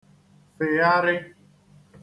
fịgharị̄